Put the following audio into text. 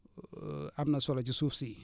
am na solo ci suuf si